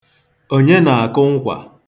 Onye na-akụ nkwa?